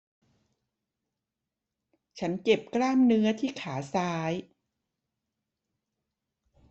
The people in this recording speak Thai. ฉันเจ็บกล้ามเนื้อที่ขาซ้าย